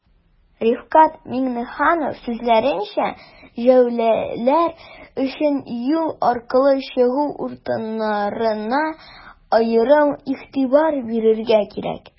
Рифкать Миңнеханов сүзләренчә, җәяүлеләр өчен юл аркылы чыгу урыннарына аерым игътибар бирергә кирәк.